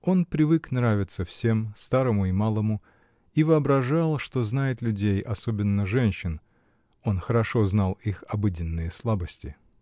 Он привык нравиться всем, старому и малому, я воображал, что знает людей, особенно женщин: он хорошо знал их обыденные слабости.